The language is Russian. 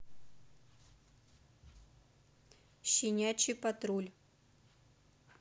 щенячий патруль